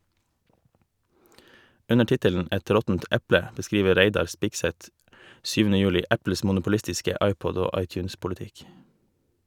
Under tittelen "Et råttent eple" beskriver Reidar Spigseth 7. juli Apples monopolistiske iPod- og iTunes-politikk.